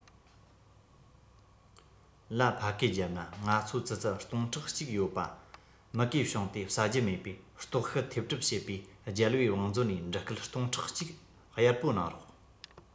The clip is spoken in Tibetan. ལ ཕ གིའི རྒྱབ ན ང ཚོ ཙི ཙི སྟིང ཕྲག གཅིག ཡོད པ ག མུ གེ བྱུང སྟེ ཟ རྒྱུ མེད བས ལྟོགས ཤི ཐེབས གྲབས བྱེད པས རྒྱལ པོའི བང མཛོད ནས འབྲུ ཁལ སྟོང ཕྲག གཅིག གཡར པོ གནང རོགས